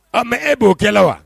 A mais e b'o kɛla wa?